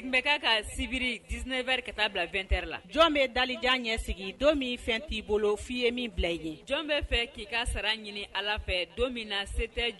Biri dis ka taa bila la jɔn bɛ dajan ɲɛ sigi don min fɛn t'i bolo f'i ye min bila i ye jɔn bɛ fɛ k'i ka sara ɲini ala fɛ don min na se tɛ